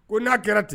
Ko n'a kɛra ten